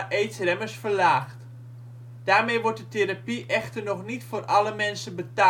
aidsremmers verlaagd. Daarmee wordt de